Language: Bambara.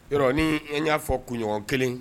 Yɔrɔ ni n y'a fɔ kunɲɔgɔn kelen